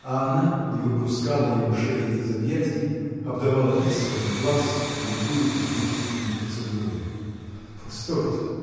А она не выпускала его шеи из объятий, обдавала искрами глаз, любуясь действием поцелуя. — Постойте.